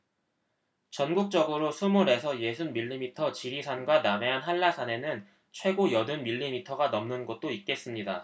전국적으로 스물 에서 예순 밀리미터 지리산과 남해안 한라산에는 최고 여든 밀리미터가 넘는 곳도 있겠습니다